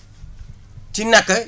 ci naka